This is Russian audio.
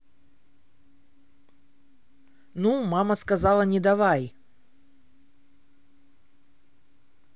ну мама сказала не давай